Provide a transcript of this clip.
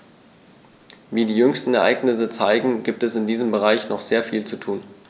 Wie die jüngsten Ereignisse zeigen, gibt es in diesem Bereich noch sehr viel zu tun.